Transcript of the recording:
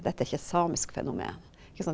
dette er ikke et samisk fenomen ikke sant.